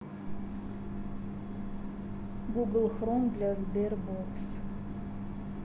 google chrome для sberbox